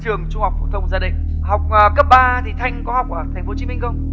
trường trung học phổ thông gia định học cấp ba thì thanh có học ở thành phố hồ chí minh không